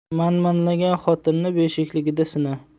manmanlagan xotinni beshikligida sina